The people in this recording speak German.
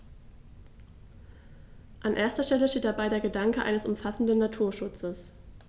An erster Stelle steht dabei der Gedanke eines umfassenden Naturschutzes.